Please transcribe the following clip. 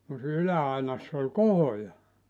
kun siinä yläainassa oli kohoja